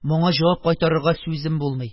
Моңа җавап кайтарырга сүзем булмый